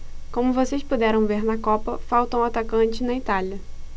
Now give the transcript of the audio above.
como vocês puderam ver na copa faltam atacantes na itália